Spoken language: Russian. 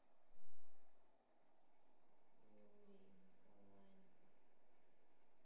юрий николаенко